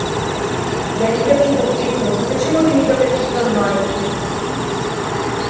я не хочу подписываться почему ты не говоришь со мной